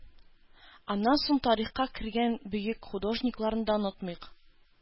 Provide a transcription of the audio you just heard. Аннан соң тарихка кергән бөек художникларны да онытмыйк.